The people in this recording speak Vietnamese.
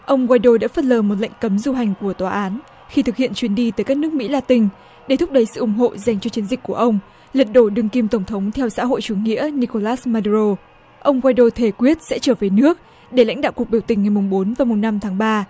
ông guây đô đã phớt lờ một lệnh cấm du hành của tòa án khi thực hiện chuyến đi tới các nước mỹ la tinh để thúc đẩy sự ủng hộ dành cho chiến dịch của ông lật đổ đương kim tổng thống theo xã hội chủ nghĩa ni cô lát ma đu rô ông goai đô thề quyết sẽ trở về nước để lãnh đạo cuộc biểu tình ngày mồng bốn và mùng năm tháng ba